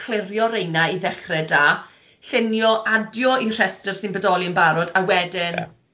clirio reina i ddechrau 'da, llunio, adio i rhestr sy'n bodoli yn barod, a wedyn ie.